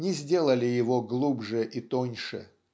не сделали его глубже и тоньше.